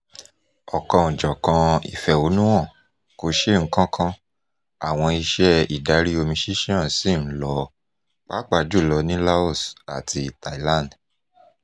Ọ̀kanòjọ̀kan ìfẹ̀hónúhàn kò ṣe nǹkan kan, àwọn iṣẹ́ ìdarí-omi ṣíṣàn ṣì ń lọ, pàápàá jù lọ ní Laos àti Thailand.